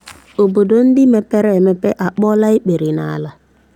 Obodo ndị mepere emepe a kpọọla ikpere n'ala